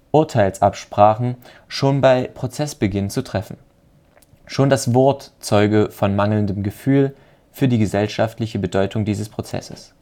Urteilsabsprachen ‘schon bei Prozessbeginn zu treffen “. Schon das Wort zeuge von mangelndem Gefühl für die gesellschaftliche Bedeutung dieses Prozesses